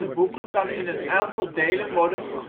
boeken kan in een aantal delen worden